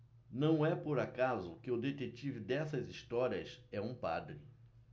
não é por acaso que o detetive dessas histórias é um padre